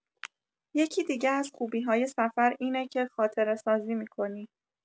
یکی دیگه از خوبی‌های سفر اینه که خاطره‌سازی می‌کنی.